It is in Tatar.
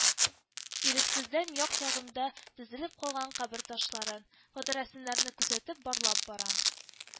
Ирексездән як-ягымда тезелеп калган кабер ташларын, фоторәсемнәрне күзәтеп, барлап барам